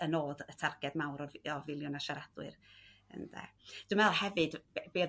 y nod y targed mawr o filiwn o siaradwyr ynde? Dwi me'l hefyd be o'dd